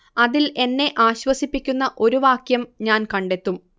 അതിൽ എന്നെ ആശ്വസിപ്പിക്കുന്ന ഒരു വാക്യം ഞാൻ കണ്ടെത്തും